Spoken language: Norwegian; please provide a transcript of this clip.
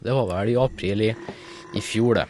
Det var vel i april i i fjor, det.